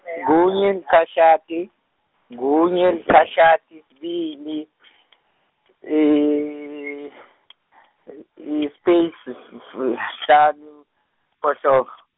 kunye licashata, kunye licashata, kubili space sihlanu, siphohlongo.